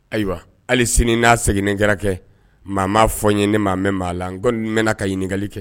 Ayiwa hali sini n'a seginnen kɛra kɛ, maa m'a fɔ n ye ne m'a mɛn maa la, n kɔni mɛɛnna ka ɲininkali kɛ.